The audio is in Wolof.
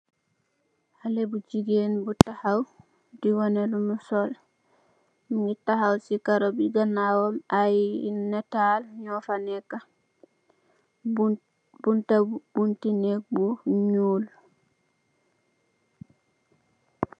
Xalen bu jigeen bu tawaw di woneh lum sol mogi taxaw si karo bi kanawam ay netal nyu fa neka bunta bunti neeg bu nuul.